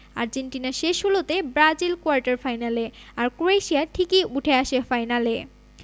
Argentina শেষ ষোলোতে Brazil quarter ফাইনালে আর ক্রোয়েশিয়া ঠিকই উঠে আসে ফাইনালে